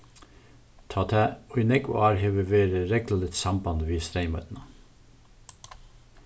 tá tað í nógv ár hevur verið regluligt samband við streymoynna